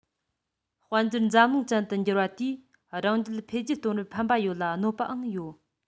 དཔལ འབྱོར འཛམ གླིང ཅན དུ འགྱུར བ དེས རང རྒྱལ འཕེལ རྒྱས གཏོང བར ཕན པ ཡོད ལ གནོད པའང ཡོད